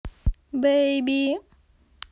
baby